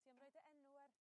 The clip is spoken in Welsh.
Ti am roi dy enw ar...